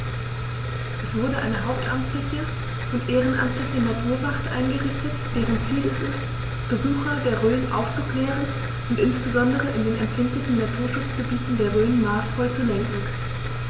Es wurde eine hauptamtliche und ehrenamtliche Naturwacht eingerichtet, deren Ziel es ist, Besucher der Rhön aufzuklären und insbesondere in den empfindlichen Naturschutzgebieten der Rhön maßvoll zu lenken.